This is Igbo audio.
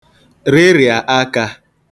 rịrịà akā